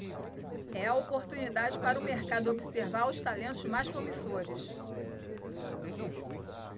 é a oportunidade para o mercado observar os talentos mais promissores